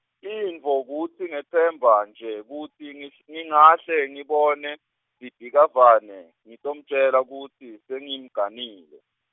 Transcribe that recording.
intfo kutsi ngetsemba nje kutsi ngis- ngingahle ngibone Sibhikivane, ngitomtjela kutsi sengimganile.